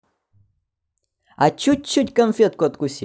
а чуть чуть конфетку откусить